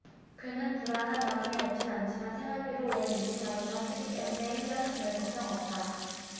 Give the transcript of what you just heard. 그는 불안한 마음이 없진 않지만 생활비로 월 육십 만원만 쓰기 때문에 일 년은 별걱정 없다